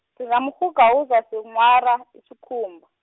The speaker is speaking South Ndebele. singamrhuga uzosinghwara, isikhumba.